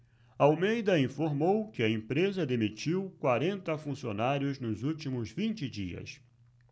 almeida informou que a empresa demitiu quarenta funcionários nos últimos vinte dias